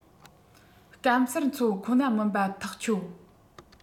སྐམ སར འཚོ ཁོ ན མིན པ ཐག ཆོད